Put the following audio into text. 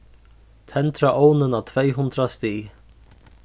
tendra ovnin á tvey hundrað stig